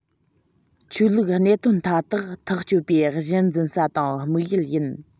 ཆོས ལུགས གནད དོན མཐའ དག ཐག གཅོད པའི གཞི འཛིན ས དང དམིགས ཡུལ ཡིན